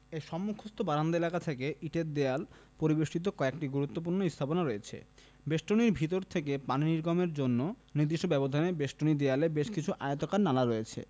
এর সম্মুখস্থ বারান্দা এলাকা থেকে ইটের দেয়াল পরিবেষ্টিত কয়েকটি গুরুত্বপূর্ণ স্থাপনা রয়েছে বেষ্টনীর ভিতর থেকে পানি নির্গমের জন্য নির্দিষ্ট ব্যবধানে বেষ্টনী দেয়ালে বেশ কিছু আয়তাকার নালা রয়েছে